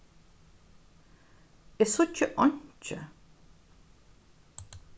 eg síggi einki